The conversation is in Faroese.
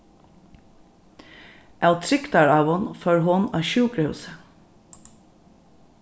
av trygdarávum fór hon á sjúkrahúsið